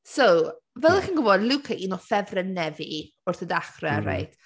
So, fel o’ch chi’n gwybod, Luca un o ffefrynnau fi wrth y dechrau, reit.